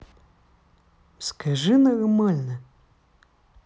скажи нормально